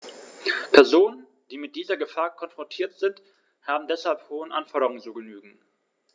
Personen, die mit dieser Gefahr konfrontiert sind, haben deshalb hohen Anforderungen zu genügen.